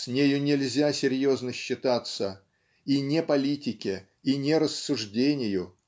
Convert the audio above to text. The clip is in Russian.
с нею нельзя серьезно считаться и не политике и не рассуждению